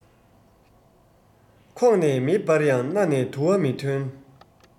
ཁོག ནས མེ འབར ཡང སྣ ནས དུ བ མི ཐོན